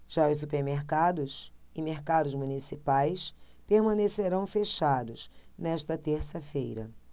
já os supermercados e mercados municipais permanecerão fechados nesta terça-feira